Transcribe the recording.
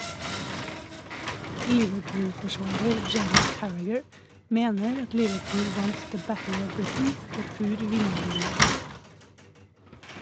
Liverpool-forsvarer Jamie Carragher mener at Liverpool vant «The Battle of Britain» på pur vinnervilje sist.